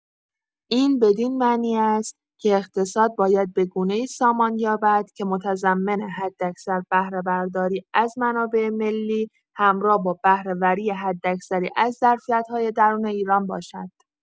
این بدین معنی است که اقتصاد باید به‌گونه‌ای سامان یابد که متضمن حداکثر بهره‌برداری از منابع ملی، همراه با بهره‌وری حداکثری از ظرفیت‌های درون ایران باشد.